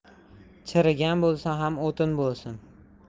chirigan bo'lsa ham o'tin bo'lsin